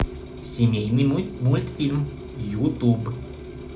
семейный мультфильм ютуб